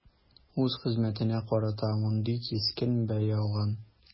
Үз хезмәтенә карата мондый кискен бәя алган.